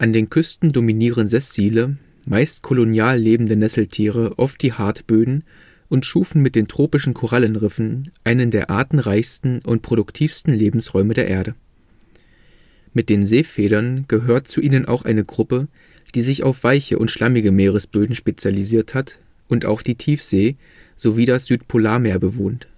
den Küsten dominieren sessile, meist kolonial lebende Nesseltiere oft die Hartböden und schufen mit den tropischen Korallenriffen einen der artenreichsten und produktivsten Lebensräume der Erde. Mit den Seefedern gehört zu ihnen auch eine Gruppe, die sich auf weiche und schlammige Meeresböden spezialisiert hat und auch die Tiefsee, sowie das Südpolarmeer bewohnt